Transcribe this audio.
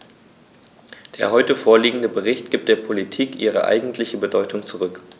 Der heute vorliegende Bericht gibt der Politik ihre eigentliche Bedeutung zurück.